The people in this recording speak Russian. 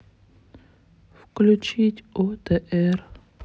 включить отр